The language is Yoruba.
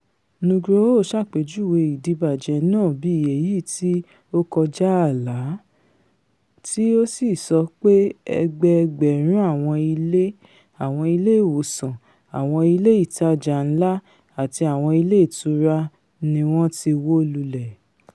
Nugroho ṣàpèjúwe ìdibàjẹ́ náà bíi èyití ''ó kọjá ààlà'' tí ó sì sọ pé ẹgbẹ-ẹgbẹ̀rún àwọn ilé, àwọn ilé-ìwòsàn, àwọn ilé ìtaja ńlá àti àwọn ilé-ìtura niwọ́n ti wó lulẹ̀.